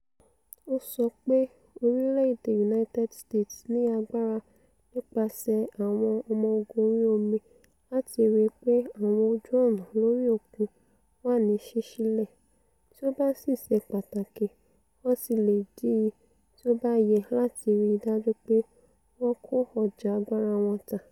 “Ó sọ pé “Oriléèdè United States ní agbára nípasẹ̀ àwọn ọmọ ogun orí omi láti rí i pé àwọn ojú ọ̀nà lórí òkun wà ní ṣíṣílẹ̀, Tí ó bá sì ṣe pàtàkì, wọ́n sì lè dí i tí ó bá yẹ láti rí i dájú pé wọn kò ọ̀jà agbára wọn tà .